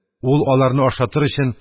. ул, анларны ашатыр өчен